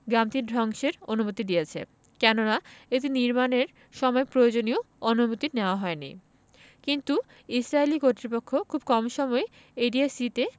গ্রামটি ধ্বংসের অনুমতি দিয়েছে কেননা এটি নির্মাণের সময় প্রয়োজনীয় অনুমতি নেওয়া হয়নি কিন্তু ইসরাইলি কর্তৃপক্ষ খুব কম সময়ই এরিয়া সি তে